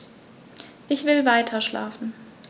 Ich will weiterschlafen.